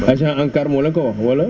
agent ANCAR moo la ko wax wala